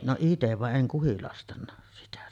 no itse vaan en kuhilastanut sitä